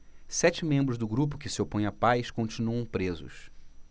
sete membros do grupo que se opõe à paz continuam presos